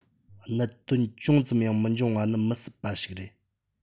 གནད དོན ཅུང ཙམ ཡང མི འབྱུང བ ནི མི སྲིད པ ཞིག རེད